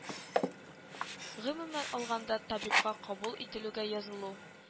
Гомумән алганда, «Табибка кабул ителүгә язылу»